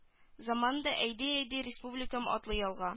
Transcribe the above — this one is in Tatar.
Заманны да әйди-әйди республикам атлый алга